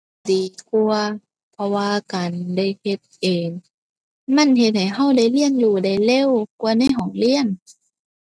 ดีกว่า เพราะว่าการได้เฮ็ดเอง มันเฮ็ดให้เราได้เรียนรู้ได้เร็วกว่าในห้องเรียน